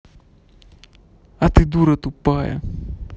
а ты дура тупая